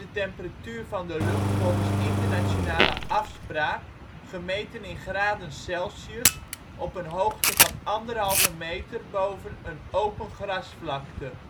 temperatuur van de lucht volgens internationale afspraak gemeten in graden Celsius op een hoogte van anderhalve meter boven een open grasvlakte